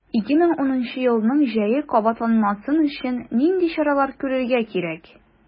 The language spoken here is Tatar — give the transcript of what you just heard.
2010 елның җәе кабатланмасын өчен нинди чаралар күрергә кирәк?